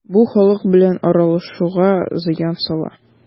Бу халык белән аралашуга зыян сала.